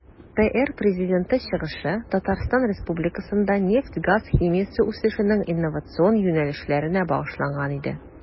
ТР Президенты чыгышы Татарстан Республикасында нефть-газ химиясе үсешенең инновацион юнәлешләренә багышланган иде.